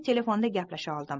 telefonda gaplasha oldim